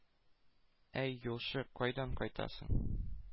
— әй, юлчы, кайдан кайтасың?